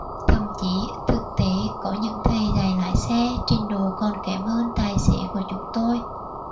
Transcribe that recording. thậm chí thực tế có những thầy dạy lái xe trình độ còn kém hơn tài xế của chúng tôi